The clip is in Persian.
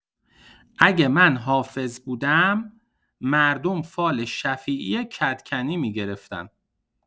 اگه من حافظ بودم مردم فال شفیعی کدکنی می‌گرفتن!